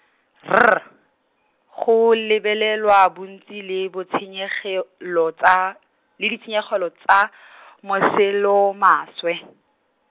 R, go lebelelwa bontsi le bo tshenyegelo tsa , le ditshenyegelo tsa , moselomaswe.